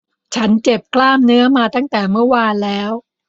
ฉันเจ็บกล้ามเนื้อมาตั้งแต่เมื่อวานแล้ว